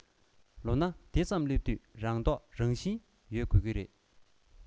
ལོ ན དེ ཙམ ལ སླེབས དུས རང རྟོགས རང བཞིན ཡོད དགོས ཀྱི རེད